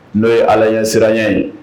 N'o ye ala ye siranya ye